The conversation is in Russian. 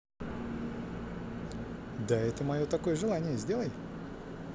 да это мое такое желание сделай